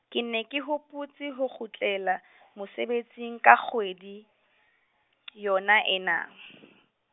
ke ne ke hopotse ho kgutlela , mosebetsing ka kgwedi, yona ena .